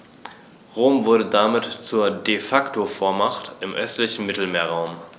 Rom wurde damit zur ‚De-Facto-Vormacht‘ im östlichen Mittelmeerraum.